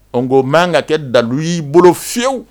O ko ma ka kɛ dalu y'i bolo fiyewu